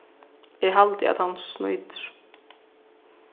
eg haldi at hann snýtir